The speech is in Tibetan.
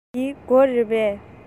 འདི སྒོ རེད པས